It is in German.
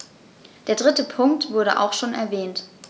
Der dritte Punkt wurde auch schon erwähnt.